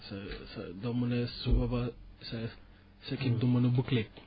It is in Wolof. sa sa doo mën a su boobaa sa sa kii bi du mun a boucler